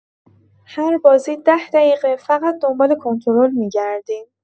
هر بازی ده دقیقه فقط دنبال کنترل می‌گردیم.